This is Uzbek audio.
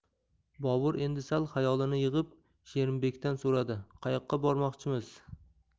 bobur endi sal xayolini yig'ib sherimbekdan so'radi qayoqqa bormoqchimiz